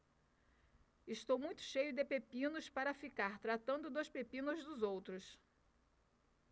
estou muito cheio de pepinos para ficar tratando dos pepinos dos outros